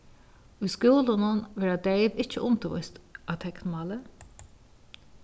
í skúlunum verða deyv ikki undirvíst á teknmáli